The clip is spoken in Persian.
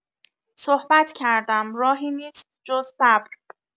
صحبت کردم، راهی نیست جز صبر